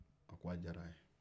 a ko a diyara a ye